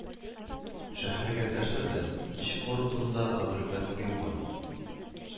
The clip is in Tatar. Шәһәргә нәрсә белән, ничек бару турында мәгълүмат куелмаган